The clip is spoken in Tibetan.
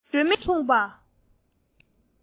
སྒྲོན མེ ཞིག དང མཚུངས པ